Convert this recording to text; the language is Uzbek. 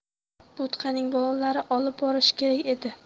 bo'tqaning bolalari olib borishi kerak edi